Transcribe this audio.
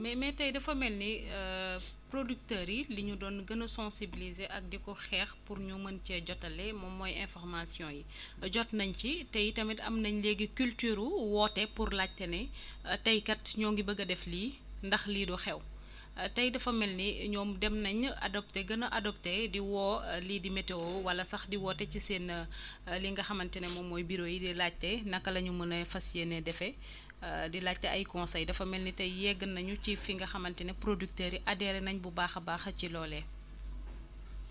mais mais tey dafa mel ni producteurs yi li ñu doon gën a sensibiliser ak di ko xeex pour ñu mën cee jotale moom mooy information yi jot nañu ci te i tamit am nañ léegi culture woote pour laajte ne tey kat ñoo ngi bëgg a def lii ndax lii du xew tey dafa mel ni ñoom dem nañu adopter gën a adopter di woo lii di météo wala sax di woote ci seen lii nga xamante ne moom mooy bureaux yi di laajte naka la ñu mën a fas yéenee defe di laajte ay conseils dafa mel ni tey yegg nañu ci fi nga xamante ne producteurs yi adherer nañ bu baax a baax ci loolee